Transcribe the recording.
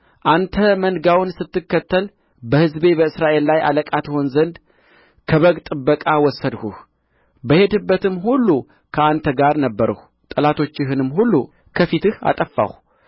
አንተ መንጋውን ስትከተል በሕዝቤ በእስራኤል ላይ አለቃ ትሆን ዘንድ ከበግ ጥበቃ ወሰድሁህ በሄድህበትም ሁሉ ከአንተ ጋር ነበርሁ ጠላቶችህንም ሁሉ ከፊትህ አጠፋሁ